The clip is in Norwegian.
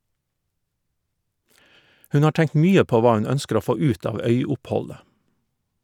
Hun har tenkt mye på hva hun ønsker å få ut av øyoppholdet.